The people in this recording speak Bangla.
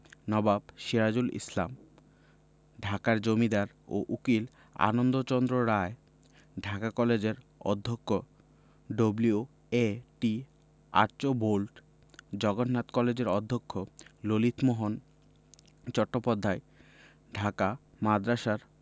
নবাব সিরাজুল ইসলাম ঢাকার জমিদার ও উকিল আনন্দচন্দ্র রায় ঢাকা কলেজের অধ্যক্ষ ডব্লিউ.এ.টি আর্চবোল্ড জগন্নাথ কলেজের অধ্যক্ষ ললিতমোহন চট্টোপাধ্যায় ঢাকা মাদ্রাসার